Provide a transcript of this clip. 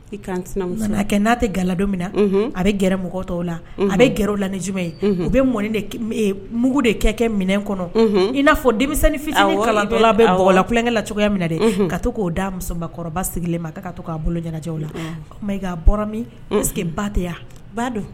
Kan n'a tɛ gala don min na a bɛ gɛrɛ mɔgɔ tɔw la a bɛ gɛrɛw la ni jumɛn ye u bɛ mɔni mugu de kɛ kɛ minɛn kɔnɔ n n'a fɔ denmisɛnninfinlalankɛ la cogoya min na dɛ ka to k'o da musokɔrɔbaba sigilen ma to k'a bolojɛw la'a bɔra min parceseke ba tɛ ba don